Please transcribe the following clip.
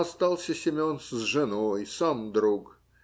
остался Семен с женой сам-друг.